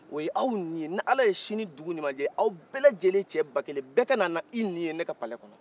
o ye aw ni ye ni ala ye sini dugu ɲuman jɛ aw bɛɛ lajɛlen cɛ ba kelen bɛɛ ka na ni i ni ye n ka palɛ kɔnɔ